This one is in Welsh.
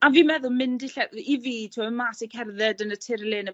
A fi'n meddwl mynd i lle-... I i fi t'wo' myn' mas i cerdded yn y tirlun a